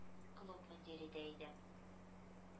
Клуб мөдире дә иде.